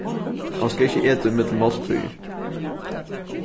mann skal ikki eta ímillum máltíðir